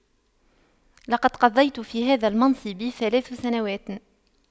لقد قضيت في هذا المنصب ثلاث سنوات